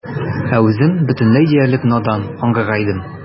Ә үзем бөтенләй диярлек надан, аңгыра идем.